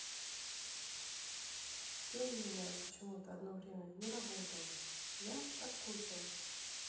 ты у меня почему то одно время не работала я соскучилась